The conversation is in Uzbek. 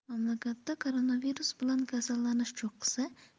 mamlakatda koronavirus bilan kasallanish cho'qqisi